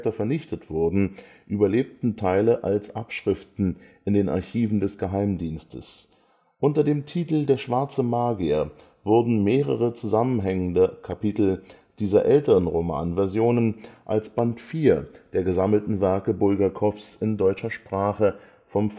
vernichtet wurden, überlebten Teile als Abschriften in den Archiven des Geheimdienstes. Unter dem Titel Der schwarze Magier wurden mehrere zusammenhängende Kapitel dieser älteren Romanversionen als Band 4 der Gesammelten Werke Bulgakows in deutscher Sprache vom